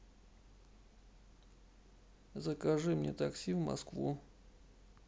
закажи мне такси в москву